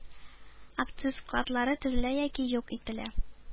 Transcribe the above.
Акциз складлары төзелә яки юк ителә,